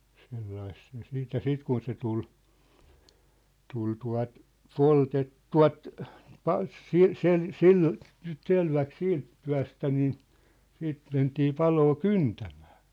sillä lailla se sitten ja sitten kun se tuli tuli tuota - poltettua ---- selväksi siitä työstä niin sitten mentiin paloa kyntämään